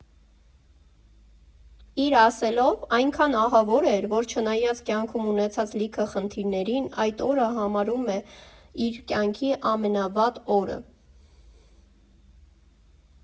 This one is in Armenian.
Իր ասելով՝ այնքան ահավոր էր, որ չնայած կյանքում ունեցած լիքը խնդիրներին՝ այդ օրը համարում է իր կյանքի ամենավատ օրը։